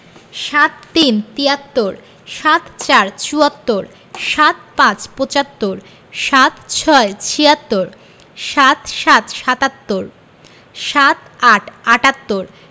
৭৩ – তিয়াত্তর ৭৪ – চুয়াত্তর ৭৫ – পঁচাত্তর ৭৬ - ছিয়াত্তর ৭৭ – সাত্তর ৭৮ – আটাত্তর